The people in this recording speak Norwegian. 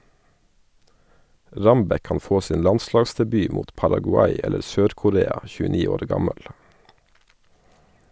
Rambekk kan få sin landslagsdebut mot Paraguay eller Sør-Korea, 29 år gammel.